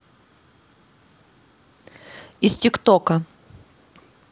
из тик тока